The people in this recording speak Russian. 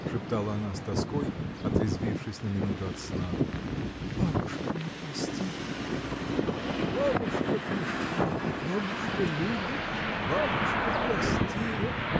— шептала она с тоской, отрезвившись на минуту от сна. — Бабушка не простит! — Бабушка пришла! Бабушка любит! Бабушка простила!